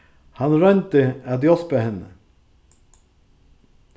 hann royndi at hjálpa henni